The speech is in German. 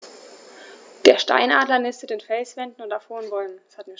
Der Steinadler nistet in Felswänden und auf hohen Bäumen.